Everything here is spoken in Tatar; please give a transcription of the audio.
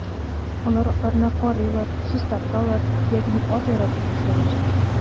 Алар атларны карыйлар, чистарталар, ягъни ат яратып үсәләр.